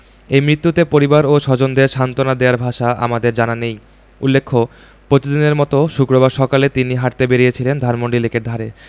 এই মৃত্যুতে পরিবার ও স্বজনদের সান্তনা দেয়ার ভাষা আমাদের জানা নেই উল্লেখ্য প্রতিদিনের মতো শুক্রবার সকালে তিনি হাঁটতে বেরিয়েছিলেন ধানমন্ডি লেকের ধারে